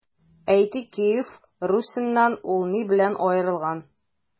Әйтик, Киев Русеннан ул ни белән аерылган?